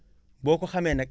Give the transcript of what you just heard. boo ko xamee nag